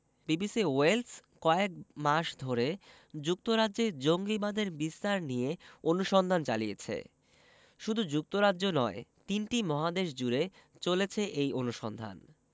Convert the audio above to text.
BBC Wales কয়েক মাস ধরে যুক্তরাজ্যে জঙ্গিবাদের বিস্তার নিয়ে অনুসন্ধান চালিয়েছে শুধু যুক্তরাজ্য নয় তিনটি মহাদেশজুড়ে চলেছে এই অনুসন্ধান